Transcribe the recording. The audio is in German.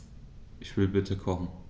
Ich will bitte kochen.